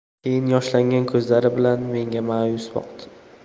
keyin yoshlangan ko'zlari bilan menga ma'yus boqdi